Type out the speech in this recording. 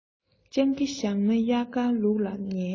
སྤྱང ཀི བཞག ན གཡང དཀར ལུག ལ ངན